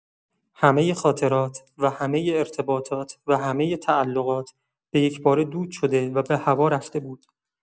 همه خاطرات و همه ارتباطات و همه تعلقات به یک‌باره دود شده و به هوا رفته بود.